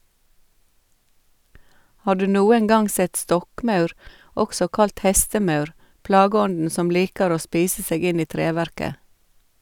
Har du noen gang sett stokkmaur, også kalt hestemaur, plageånden som liker å spise seg inn i treverket?